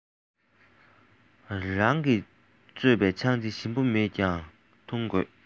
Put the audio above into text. རང གིས བཙོས པའི ཆང དེ ཞིམ པོ མེད ཀྱང འཐུང དགོས